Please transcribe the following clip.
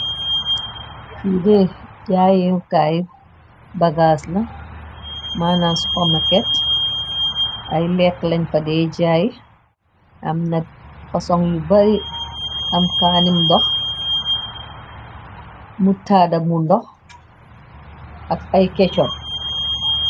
vide jayenukaay bagaas la mannan spornaket ay lekk lañ pade jaay am nak pasoŋg yu bari am kaanim dox mu taada mu ndox ak ay kecco